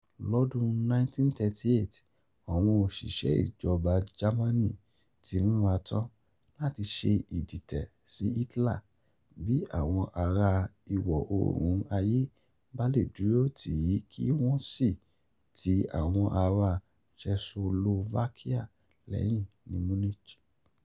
Lọ́dún 1938, àwọn òṣìṣẹ́ ìjọba Jámánì ti múra tán láti ṣe ìdìtẹ̀ sí Hitler, bí àwọn ará Ìwọ̀ Oòrùn ayé bá lè dúró tì í kí wọ́n sì ti àwọn ará Czechoslovakia lẹ́yìn ní Munich.